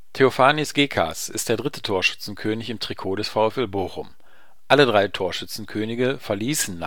Theofanis Gekas ist der dritte Torschützenkönig im Trikot des VfL Bochum. Alle drei Torschützenkönige verließen